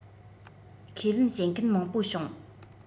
ཁས ལེན བྱེད མཁན མང པོ བྱུང